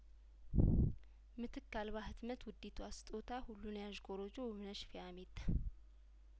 ምትክ አልባ ህትመት ውዲቷ ስጦታ ሁሉን ያዥ ኮሮጆው ብነሽ ፊያሜታ